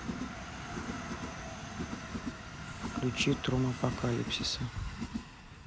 включи трум апокалипсиса